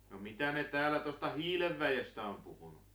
no mitä ne täällä tuosta hiidenväestä on puhunut